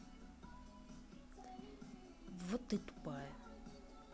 вот ты тупая